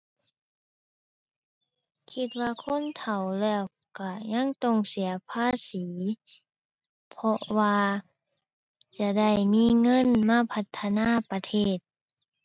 คิดว่าคนเฒ่าแล้วก็ยังต้องเสียภาษี เพราะว่าจะได้มีเงินมาพัฒนาประเทศ